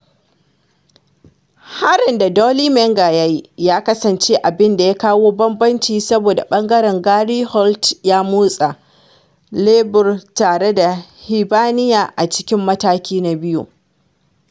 Harin da Dolly Menga ya yi ya kasance abin da kawo bambanci saboda ɓangaren Gary Holt ya motsa lebur tare da Hibernian a cikin mataki na biyu.